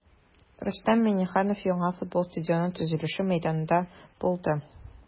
Рөстәм Миңнеханов яңа футбол стадионы төзелеше мәйданында булды.